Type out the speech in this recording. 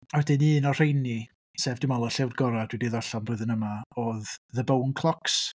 A wedyn un o'r rheini, sef dwi'n meddwl y llyfr gorau dwi 'di darllen flwyddyn yma oedd The Bone Clocks?